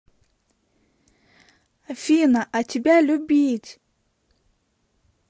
афина а тебя любить